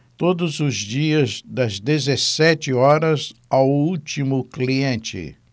todos os dias das dezessete horas ao último cliente